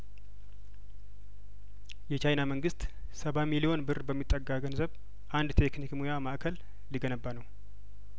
የቻይና መንግስት ሰባ ሚሊዮን ብር በሚጠጋ ገንዘብ አንድ ቴክኒክ ሙያማእከል ሊገነባ ነው